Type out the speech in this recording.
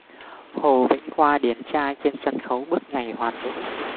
hồ vĩnh khoa điển trai trên sân khấu bước nhảy hoàn vũ